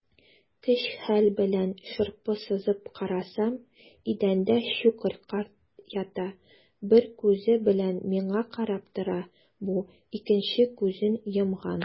Көч-хәл белән шырпы сызып карасам - идәндә Щукарь карт ята, бер күзе белән миңа карап тора бу, икенче күзен йомган.